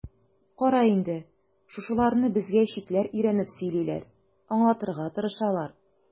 Кара инде, шушыларны безгә читләр өйрәнеп сөйлиләр, аңлатырга тырышалар.